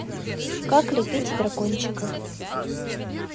как лепить дракончика